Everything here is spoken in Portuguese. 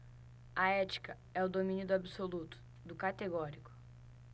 a ética é o domínio do absoluto do categórico